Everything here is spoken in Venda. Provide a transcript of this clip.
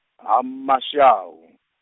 ha Mashau.